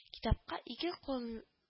— китапка ике кулл